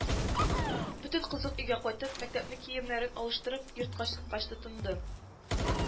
Бөтен кызык өйгә кайтып, мәктәп киемнәрен алыштырып, йортка чыккач тотынды